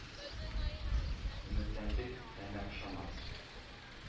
Өметләндек, әмма ышанмадык.